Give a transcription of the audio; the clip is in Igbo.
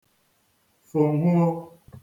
fụ̀nhụọ